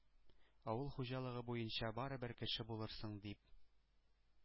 Авыл хуҗалыгы буенча барыбер кеше булырсың, — дип.